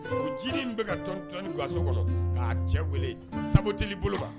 O jinin bi ka tɔnni tɔnni gaso kɔnɔ k'a cɛ wele saboter li bolo ma.